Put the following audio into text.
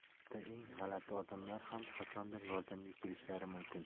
hatto eng g'alati odamlar ham qachondir yordamga kelishlari mumkin